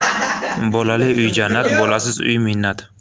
bolali uy jannat bolasiz uy minnat